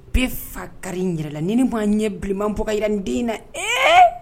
N bɛ fa kari n yɛrɛ la, ni ne ma ɲɛ bilenman bɔ ka jira nin den na ee!!!